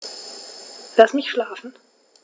Lass mich schlafen